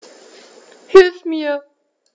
Hilf mir!